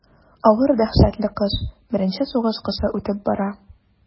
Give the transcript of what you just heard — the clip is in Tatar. Авыр дәһшәтле кыш, беренче сугыш кышы үтеп бара.